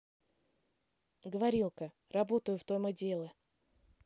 говорилка работаю в том и дело